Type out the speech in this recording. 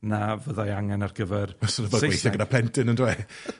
na fyddai angen ar gyfer Saesneg gyda plentyn on'd yw e?